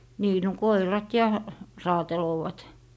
niin no koirat ja raatelevat